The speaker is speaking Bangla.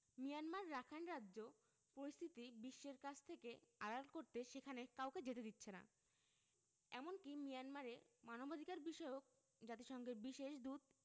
মিয়ানমার রাখাইন রাজ্য পরিস্থিতি বিশ্বের কাছ থেকে আড়াল করতে সেখানে কাউকে যেতে দিচ্ছে না এমনকি মিয়ানমারে মানবাধিকারবিষয়ক জাতিসংঘের বিশেষ দূত